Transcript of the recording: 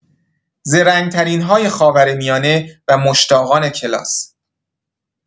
زرنگ‌ترین های خاورمیانه و مشتاقان کلاس